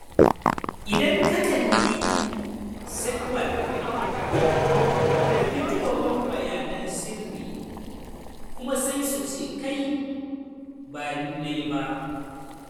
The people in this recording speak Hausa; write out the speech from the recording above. “Idan ka kalli sakewan da fitowan bayanan sirri kuma sai suce “kai, ba ni nayi ba.